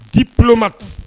Di tuloma ten